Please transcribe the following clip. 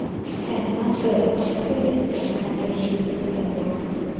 ฉันมักเกิดความเครียดจากการใช้ชีวิตประจำวัน